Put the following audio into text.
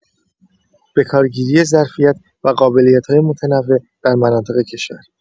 به‌کارگیری ظرفیت و قابلیت‌های متنوع در مناطق کشور